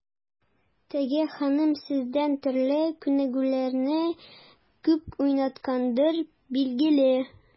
Теге ханым сездән төрле күнегүләрне күп уйнаткандыр, билгеле.